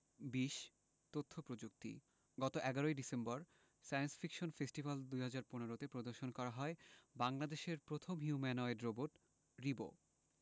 ২০ তথ্য প্রযুক্তি গত ১১ ডিসেম্বর সায়েন্স ফিকশন ফেস্টিভ্যাল ২০১৫ তে প্রদর্শন করা হয় বাংলাদেশের প্রথম হিউম্যানোয়েড রোবট রিবো